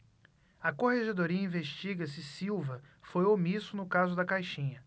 a corregedoria investiga se silva foi omisso no caso da caixinha